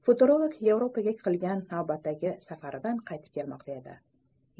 futurolog yevropaga qilgan navbatdagi safaridan qaytib kelmoqda edi